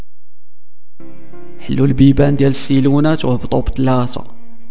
حلو البيبان جالكسي لون اسود